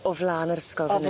O flan yr ysgol fan 'yn?